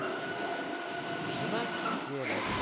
жена деда